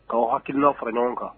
Kaaw hakiina fara ɲɔgɔn kan